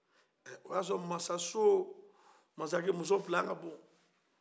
ɛ o ye a sɔrɔ masaso masakɛmuso pilan kabo